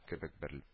Кебек бер